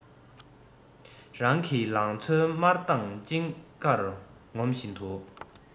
རང གི ལང ཚོའི དམར མདངས ཅི དགར ངོམ བཞིན དུ